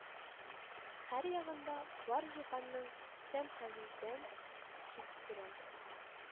Һәр ягында бар җиһанның зәмһәрирдән чик күрәм